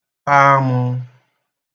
kpa amū